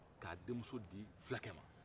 k'a denmuso di fula ma